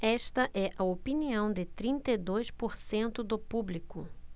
esta é a opinião de trinta e dois por cento do público